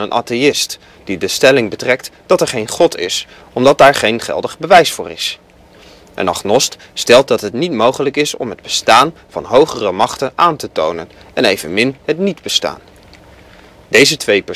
atheïst, die de stelling betrekt dat er geen God is omdat daar geen geldig bewijs voor is. Een agnost stelt dat het niet mogelijk is om het bestaan van hogere machten aan te tonen (en evenmin het niet-bestaan). Deze twee posities